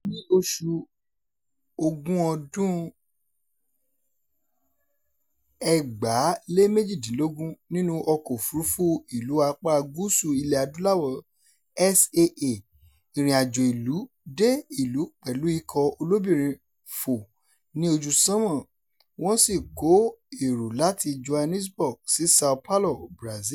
Ní oṣù Ògún ọdún 2018, nínú ọkọ̀ òfuurufú ìlú apá Gúúsù Ilẹ̀-Adúláwọ̀ SAA, ìrìnàjò ìlú dé ìlú pẹ̀lú ikọ̀ olóbìnrin fò ní ojú sánmà wọ́n sì kó èrò láti Johannesburg sí Sao Paulo, Brazil.